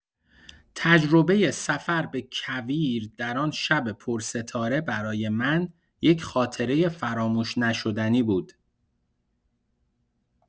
تجربۀ سفر به کویر در آن شب پرستاره برای من یک خاطرۀ فراموش‌نشدنی بود.